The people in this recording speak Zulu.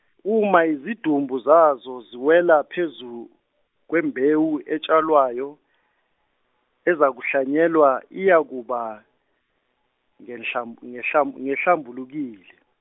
uma izidumbu zazo ziwela phezu, kwembewu etshalwayo, ezakuhlwanyelwa iyakuba, ngenhlam- ngenhlam- ngehlambulukile.